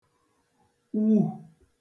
wù